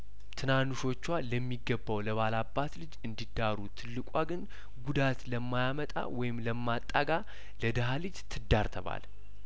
ትናንሾቿ ለሚገባው ለባላባት ልጅ እንዲዳሩ ትልቋ ግን ጉዳት ለማያመጣ ወይም ለማጣጋለ ደሀ ልጅ ትዳር ተባለ